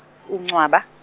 uNcwaba.